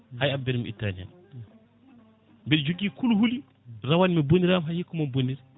hay abbere mi ittani hen mbiɗa jogui kuli huuli rawane mi bonirama hay hikka momi bonire